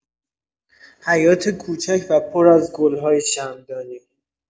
حیاط کوچک و پر از گل‌های شمعدانی